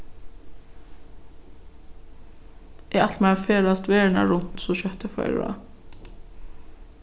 eg ætli mær at ferðast verðina runt so skjótt eg fái ráð